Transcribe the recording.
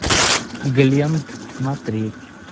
глент смотреть